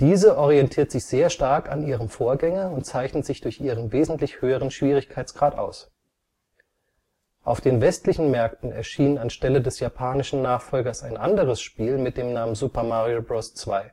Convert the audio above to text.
Diese orientiert sich sehr stark an ihrem Vorgänger und zeichnet sich durch ihren wesentlich höheren Schwierigkeitsgrad aus. Auf den westlichen Märkten erschien anstelle des japanischen Nachfolgers ein anderes Spiel mit dem Namen Super Mario Bros. 2 (NES,